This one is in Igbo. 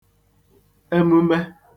emume